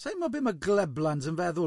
Sai'n gwybod be mae Gleblans yn feddwl?